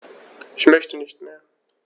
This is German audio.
Ich möchte nicht mehr.